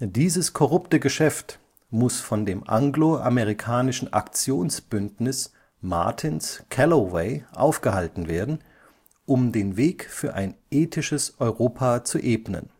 Dieses korrupte Geschäft muss von dem anglo-amerikanischen Aktionsbündnis Martins-Calloway aufgehalten werden, um den Weg für ein ethisches Europa zu ebnen